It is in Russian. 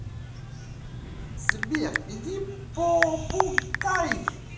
сбер иди попукай